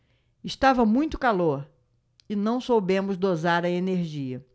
estava muito calor e não soubemos dosar a energia